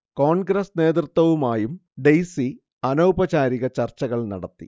കോൺഗ്രസ് നേതൃത്വവുമായും ഡെയ്സി അനൗപചാരിക ചർച്ചകൾ നടത്തി